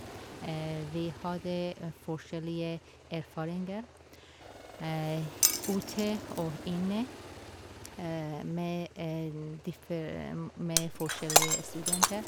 Vi hadde forskjellige erfaringer ute og inne med en differ med forskjellige studenter.